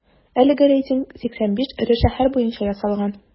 Әлеге рейтинг 85 эре шәһәр буенча ясалган.